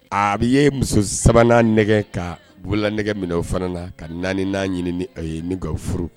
A bi ye muso 3 nan nɛgɛ ka bolola nɛgɛ minɛ o fana na . Ka 4 nan ɲini ni a ye ni ka o furu.